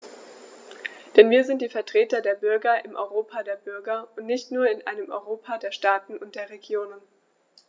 Denn wir sind die Vertreter der Bürger im Europa der Bürger und nicht nur in einem Europa der Staaten und der Regionen.